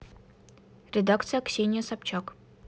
редакция ксения собчак